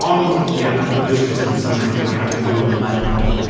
Ond, ie, wnaethon nhw literally jyst ddim symud, and I had to go in the mud then.